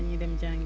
dañuy dem jàngi